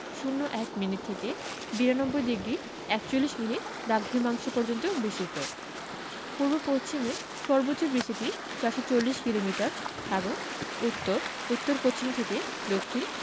০১ minute থেকে ৯২ degree ৪১মিনিট দাঘ্রিমাংশ পর্যন্ত বিস্তৃত পূর্ব পশ্চিমে সর্বোচ্চ বিস্তিতি ৪৪০ কিলোমিটার এবং উত্তর উত্তরপশ্চিম থেকে দক্ষিণ